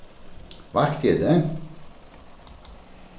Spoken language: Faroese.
vakti eg teg